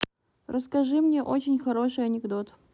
расскажи мне очень хороший анекдот